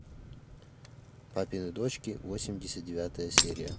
папины дочки восемьдесят девятая серия